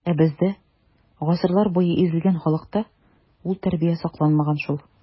Ә бездә, гасырлар буе изелгән халыкта, ул тәрбия сакланмаган шул.